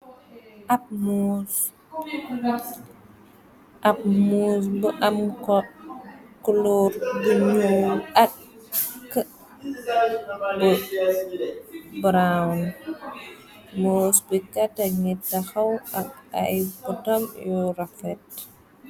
Ab moos bu am koloor bi ñooy akk bu brown. Moos bi kate ni te xaw ak ay potam yora fet.